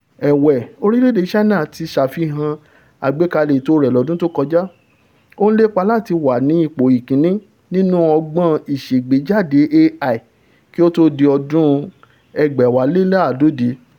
Ẹ̀wẹ̀, orílẹ̀-èdè Ṣáìnà ti ṣàfihàn àgbékalẹ̀ ètò rẹ̀ lọ́dún tó kọjá: ó ńlépa láti wàní ipò ìkínní nínú ọgbọ́n ìṣàgbéjáde AI kí ó tó di ọdún 2030.